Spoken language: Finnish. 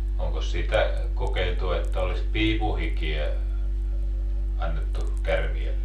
onkos sitä kokeiltu että olisi piipun hikeä annettu käärmeelle